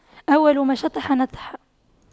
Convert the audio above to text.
أول ما شطح نطح